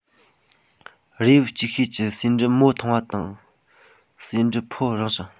རིགས དབྱིབས ཅིག ཤོས ཀྱི ཟེའུ འབྲུ མོ ཐུང བ དང ཟེའུ འབྲུ ཕོ རིང ཞིང